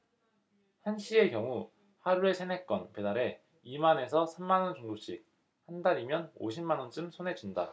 한씨의 경우 하루에 세 네 건 배달해 이 만 에서 삼 만원 정도씩 한 달이면 오십 만원쯤 손에 쥔다